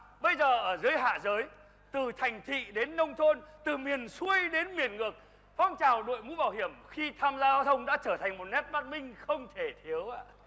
bây giờ ở dưới hạ giới từ thành thị đến nông thôn từ miền xuôi đến miền ngược phong trào đội mũ bảo hiểm khi tham gia giao thông đã trở thành một nét văn minh không thể thiếu ạ